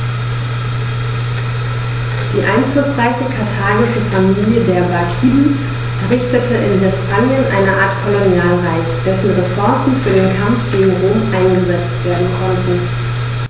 Die einflussreiche karthagische Familie der Barkiden errichtete in Hispanien eine Art Kolonialreich, dessen Ressourcen für den Kampf gegen Rom eingesetzt werden konnten.